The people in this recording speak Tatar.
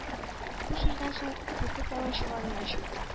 Бу сүздән соң Күке тәмам чыгарыннан чыкты.